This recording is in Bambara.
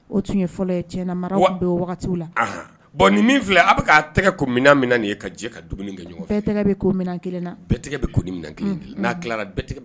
O bɔn filɛ a bɛ tɛgɛ mina na nin ka jɛ ka kɛ ɲɔgɔn bɛ kelen bɛɛ tɛgɛ bɛ n'a tila bɛɛ